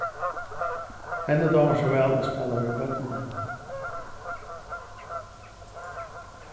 henni dámar so væl at spæla við børnini